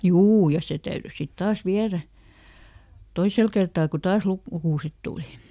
juu ja se täytyi sitten taas viedä toisella kertaa kun taas - lukuset tuli